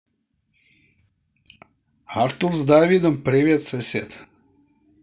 артур с давидом привет сосед